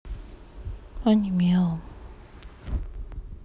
онемело